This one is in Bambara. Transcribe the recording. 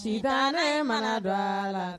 Siiga ne mana don a la